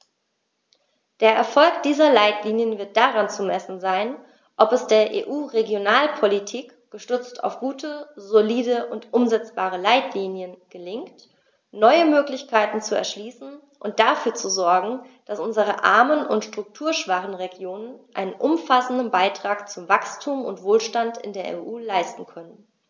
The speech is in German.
Der Erfolg dieser Leitlinien wird daran zu messen sein, ob es der EU-Regionalpolitik, gestützt auf gute, solide und umsetzbare Leitlinien, gelingt, neue Möglichkeiten zu erschließen und dafür zu sorgen, dass unsere armen und strukturschwachen Regionen einen umfassenden Beitrag zu Wachstum und Wohlstand in der EU leisten können.